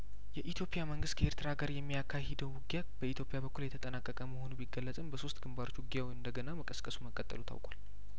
የኢትዮጵያ መንግስት ከኤርትራ ጋር የሚያካሂደው ውጊያ በኢትዮጵያ በኩል የተጠናቀቀ መሆኑ ቢገለጽም በሶስት ግንባሮች ውጊያው እንደገና መቀስቀሱ መቀጠሉ ታውቋል